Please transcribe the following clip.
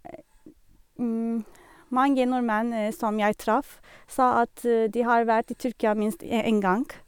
Mange nordmenn som jeg traff, sa at de har vært i Tyrkia minst e én gang.